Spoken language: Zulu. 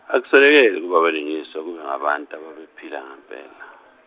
akuswelekile ukuba abalingiswa kube ngabantu ababephila ngempela.